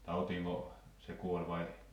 tautiinko se kuoli vai